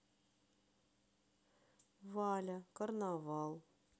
валя карнавал